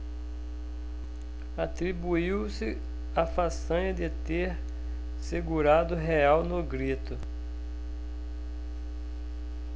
atribuiu-se a façanha de ter segurado o real no grito